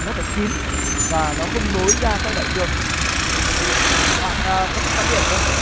nó phải kín và nó không nối ra các đại dương bạn a có thích tắm biển không